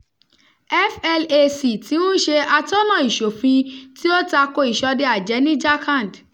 FLAC ti ń ṣe àtọ́nàa ìṣòfin tí ó tako ìṣọdẹ-àjẹ́ ní Jharkhand.